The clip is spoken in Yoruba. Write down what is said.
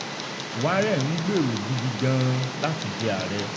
Warren ń gbèrò ‘gidi gan-an’ láti jẹ ààrẹ